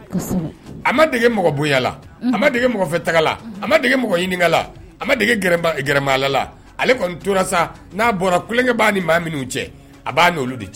Dege a degefɛ a ma dege mɔgɔ a ma dege gmala ale kɔni torasa na bɔra kukɛba ni maa minnu cɛ a b'aolu de cɛ